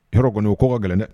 H kɔni ye kɔ ka gɛlɛn dɛ